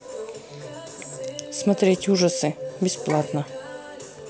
смотреть ужасы бесплатно